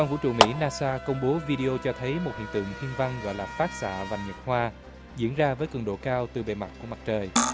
vũ trụ mỹ na sa công bố video cho thấy một hiện tượng thiên văn gọi là phát xạ vành nhật hoa diễn ra với cường độ cao từ bề mặt của mặt trời